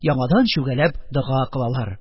Яңадан чүгәләп дога кылалар.